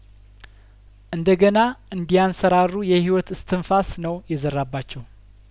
እንደ ገና እንዲያንሰራሩ የህይወት እስትንፋ ስነው የዘራባቸው